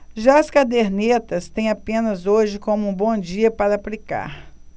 já as cadernetas têm apenas hoje como um bom dia para aplicar